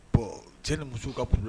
Bɔn se ni musow ka kulu la